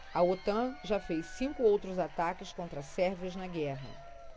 a otan já fez cinco outros ataques contra sérvios na guerra